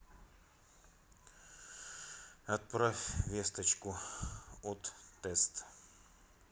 отправь весточку от тест